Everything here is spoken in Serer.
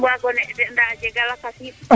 wago soom wago ne de nda a jega lakas yit